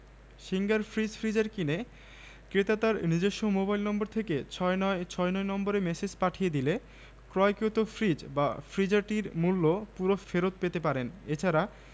এই বলতে বলতেই ভেড়াটার উপর ঝাঁপিয়ে পড়ে শয়তান নেকড়ে তাকে টুকরো টুকরো করে খেয়ে ফেলল নীতিশিক্ষাঃ অত্যাচারী সবসময়ই অত্যাচার করার জন্য কিছু না কিছু কারণ খুঁজে বার করে ফেলে